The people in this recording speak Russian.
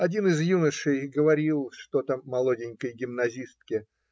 один из юношей говорил что-то молоденькой гимназистке